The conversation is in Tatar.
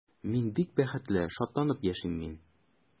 Мин бик бәхетле, шатланып яшим мин.